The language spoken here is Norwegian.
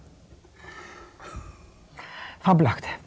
fabelaktig.